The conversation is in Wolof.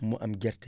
mu am gerte